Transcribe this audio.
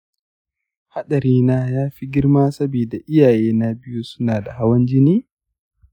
haɗari na ya fi girma saboda iyayena biyu suna da hawan jini?